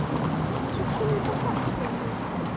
Ничек шуны ташлап китәсең?